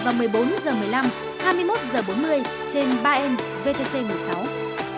vào mười bốn giờ mười lăm hai mươi mốt giờ bốn mươi trên ba en vê tê xê mười sáu